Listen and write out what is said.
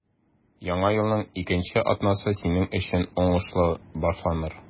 Яңа елның икенче атнасы синең өчен уңышлы башланыр.